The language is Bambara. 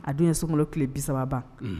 A dun ye sunkalo kile 30 ban.